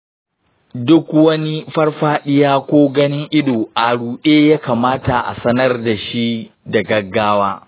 duk wani farfaɗiya ko ganin ido a ruɗe ya kamata a sanar da shi da gaggawa.